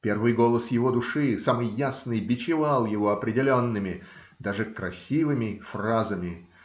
Первый голос его души, самый ясный, бичевал его определенными, даже красивыми фразами.